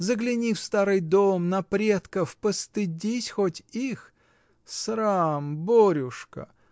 Загляни в старый дом, на предков: постыдись хоть их! Срам, Борюшка!